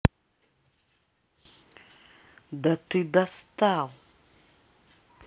да ты достал